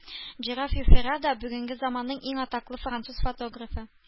Жерар Юфера да – бүгенге заманның иң атаклы француз фотографы